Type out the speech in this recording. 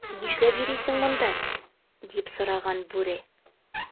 "нишләп йөрисең монда,” - дип сораган бүре.